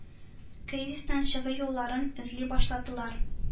Кризистан чыгу юлларын эзли башладылар.